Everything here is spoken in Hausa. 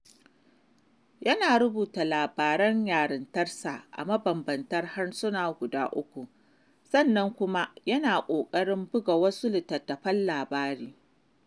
Yana rubuta labaran yarintarsa a mabambantan harsuna guda uku sannan kuma yana ƙoƙarin buga wasu littattafan labari.